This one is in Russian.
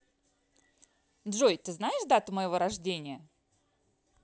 джой ты знаешь дату моего дня рождения